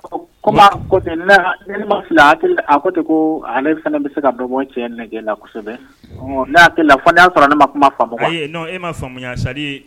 Ɔ fila a ko ko fana bɛ se ka dɔgɔ cɛ nɛgɛ la kosɛbɛ ne hakili la n y'a sɔrɔ ne ma kuma fa